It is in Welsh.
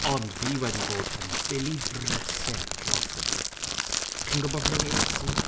Ond fi wedi bod yn Billy Brysur dros y penwythnos. Chi'n gwbod ble es i?